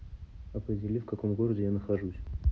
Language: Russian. определи в каком городе я нахожусь